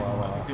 tag ci kawar